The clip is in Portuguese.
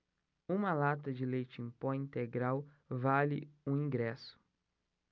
uma lata de leite em pó integral vale um ingresso